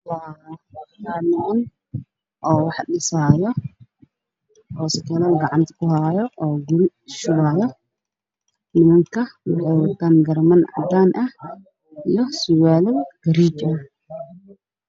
Waa niman wax dhisaayo oo biro gacanta kuwato waxay wataan fanaanado cadaan ah iyo surwaalo gariije ah.